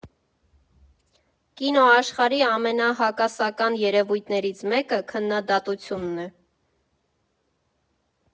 Կինոաշխարհի ամենահակասական երևույթներից մեկը քննադատությունն է.